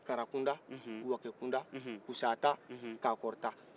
karakunda wakekunda gusata kakɔrta